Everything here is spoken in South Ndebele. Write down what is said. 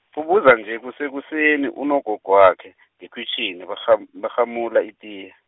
ubuza nje kusekuseni, unogogwakhe, ngekhwitjhini, barham- barhamula itiye.